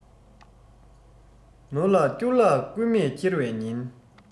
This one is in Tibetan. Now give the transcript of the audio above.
ནོར ལ བསྐྱུར བརླག རྐུན མས འཁྱེར བའི ཉེན